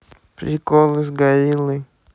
приколы с гориллой